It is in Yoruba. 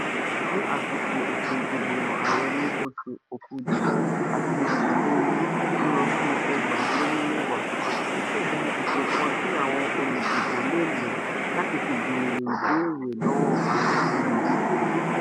Ní àsìkò ètò ìdìbòyàn ààrẹ ní oṣù Òkudù àti oṣù Belu ti ọdún 2010, ó ṣẹ̀dá ètò kan tí àwọn olùdìbò lè lò láti fi bèèrè ìbéèrè lọ́wọ́ àwọn olùdíje.